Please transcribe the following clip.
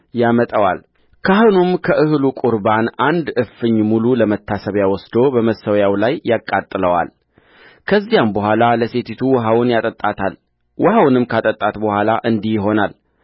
ያመጣዋልካህኑም ከእህሉ ቍርባን አንድ እፍኝ ሙሉ ለመታሰቢያው ወስዶ በመሠዊያው ላይ ያቃጥለዋል ከዚያም በኋላ ለሴቲቱ ውኃውን ያጠጣታልውኃውን ካጠጣት በኋላ እንዲህ ይሆናል